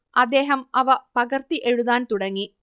അദ്ദേഹം അവ പകർത്തി എഴുതാൻ തുടങ്ങി